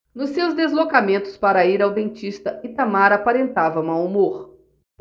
nos seus deslocamentos para ir ao dentista itamar aparentava mau humor